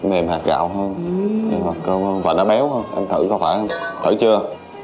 mềm hạt gạo hơn ngọt cơm hơn và nó béo hơn em thử có phải không thử chưa